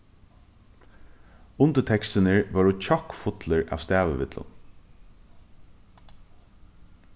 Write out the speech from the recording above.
undirtekstirnir vóru kjokkfullir av stavivillum